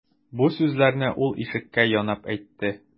Бу сүзләрне ул ишеккә янап әйтте.